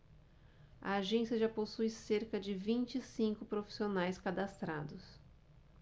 a agência já possui cerca de vinte e cinco profissionais cadastrados